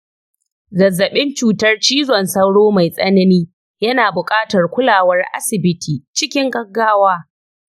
zazzaɓin cutar cizon sauro mai tsanani yana buƙatar kulawar asibiti cikin gaggawa.